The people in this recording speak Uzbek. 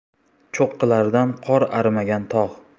cho'qqilaridan qor arimagan tog'